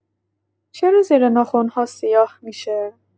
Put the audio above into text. چرا زیر ناخن‌ها سیاه می‌شه؟